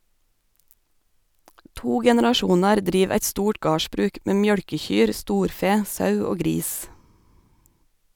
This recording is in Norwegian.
To generasjonar driv eit stort gardsbruk med mjølkekyr, storfe, sau og gris.